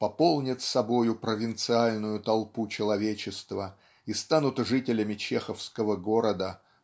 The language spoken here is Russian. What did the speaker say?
пополнят собою провинциальную толпу человечества и станут жителями чеховского города